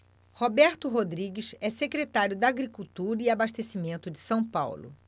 roberto rodrigues é secretário da agricultura e abastecimento de são paulo